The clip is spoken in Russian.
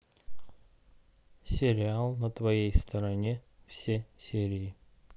сериал на твоей стороне все серии